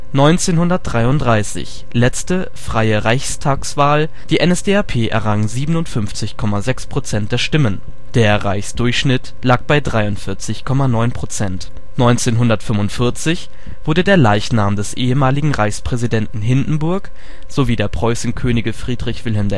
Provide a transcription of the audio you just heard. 1933 letzte freie Reichstagswahl: die NSDAP errang 57,6% der Stimmen (Reichsdurchschnitt 43,9%) 1945 wurde der Leichnam des ehemaligen Reichspräsidenten Hindenburg sowie der Preußenkönige Friedrich Wilhelm